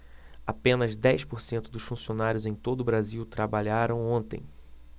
apenas dez por cento dos funcionários em todo brasil trabalharam ontem